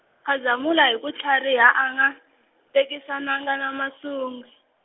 Khazamula hi ku tlhariha a nga, tengisanangi na Masungi.